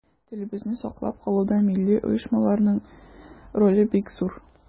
Телебезне саклап калуда милли оешмаларның роле бик зур.